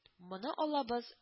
Моны Аллабыз